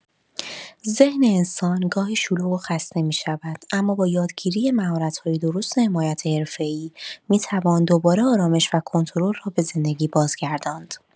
ذهن انسان گاهی شلوغ و خسته می‌شود، اما با یادگیری مهارت‌های درست و حمایت حرفه‌ای، می‌توان دوباره آرامش و کنترل را به زندگی بازگرداند.